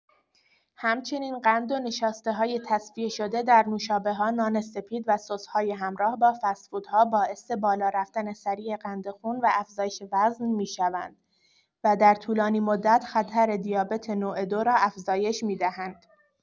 همچنین قند و نشاسته‌های تصفیه‌شده در نوشابه‌ها، نان‌سپید و سس‌های همراه با فست‌فودها باعث بالا رفتن سریع قند خون و افزایش وزن می‌شوند و در طولانی‌مدت خطر دیابت نوع دو را افزایش می‌دهند.